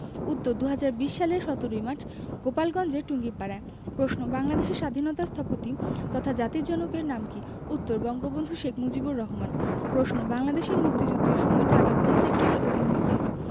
উত্তর ১৯২০ সালের ১৭ মার্চ গোপালগঞ্জের টুঙ্গিপাড়ায় প্রশ্ন বাংলাদেশের স্বাধীনতার স্থপতি তথা জাতির জনকের নাম কী উত্তর বঙ্গবন্ধু শেখ মুজিবুর রহমান প্রশ্ন বাংলাদেশের মুক্তিযুদ্ধের সময় ঢাকা কোন সেক্টরের অধীনে ছিলো